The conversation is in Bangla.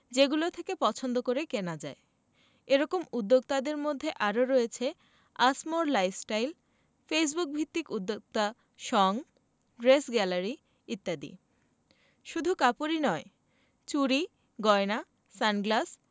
যেগুলো থেকে পছন্দ করে কেনা যায় এ রকম উদ্যোক্তাদের মধ্যে আরও রয়েছে আসমোর লাইফস্টাইল ফেসবুকভিত্তিক উদ্যোক্তা সঙ ড্রেস গ্যালারি ইত্যাদি শুধু কাপড়ই নয় চুড়ি গয়না সানগ্লাস